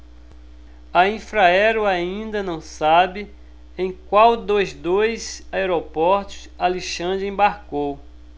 a infraero ainda não sabe em qual dos dois aeroportos alexandre embarcou